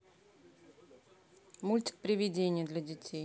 мультик привидение для детей